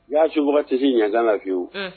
I y'a suba tɛ se ɲkan na fiwu